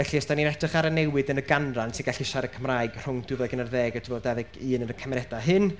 Felly, os dan ni'n edrych ar y newid yn y ganran sy'n gallu siarad Cymraeg rhwng dwy fil ag unarddeg a dwy fil a dau ddeg un yn y cymunedau hyn,